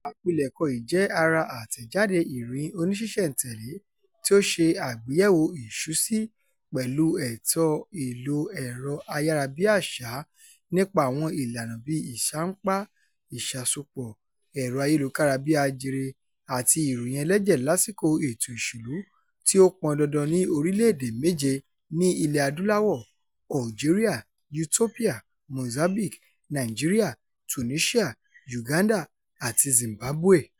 Àpilẹ̀kọ yìí jẹ́ ara àtẹ̀jádé ìròyìn oníṣísẹ̀ntẹ̀lé tí ó ń ṣe àgbéyẹ̀wò ìṣúsí pẹ̀lú ẹ̀tọ́ ìlò ẹ̀rọ-ayárabíàṣá nípa àwọn ìlànà bíi ìṣánpa ìṣàsopọ̀ ẹ̀rọ ayélukára-bí-ajere àti ìròyìn ẹlẹ́jẹ̀ lásìkò ètò ìṣèlú tí ó pọn dandan ní orílẹ̀-èdè méje ní Ilẹ̀-Adúláwọ̀: Algeria, Ethiopia, Mozambique, Nàìjíríà, Tunisia, Uganda, àti Zimbabwe.